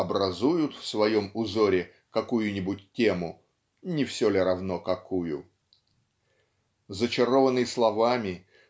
образуют в своем узоре какую-нибудь тему не все ли равно какую? Зачарованный словами